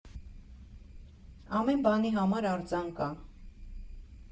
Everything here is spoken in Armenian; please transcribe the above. Ամեն բանի համար արձան կա։